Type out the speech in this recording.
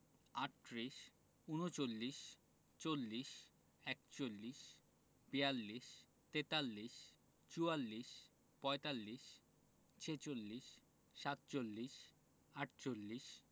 ৩৮ আটত্রিশ ৩৯ ঊনচল্লিশ ৪০ চল্লিশ ৪১ একচল্লিশ ৪২ বিয়াল্লিশ ৪৩ তেতাল্লিশ ৪৪ চুয়াল্লিশ ৪৫ পঁয়তাল্লিশ ৪৬ ছেচল্লিশ ৪৭ সাতচল্লিশ ৪৮ আটচল্লিশ